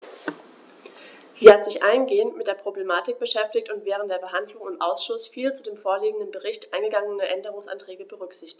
Sie hat sich eingehend mit der Problematik beschäftigt und während der Behandlung im Ausschuss viele zu dem vorliegenden Bericht eingegangene Änderungsanträge berücksichtigt.